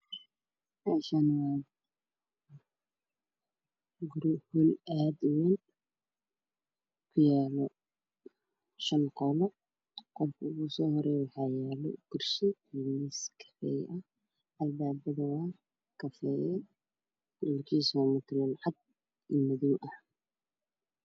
Meeshaan waa guri howl aad u wayn ku yaalo shan qolo. Qolka ugu soo horeeyo waxaa yaalo kurshi iyo miis kafay ah Albaabadu waa kafay. kalarkiisa waa mutuleel cad iyo madow ah.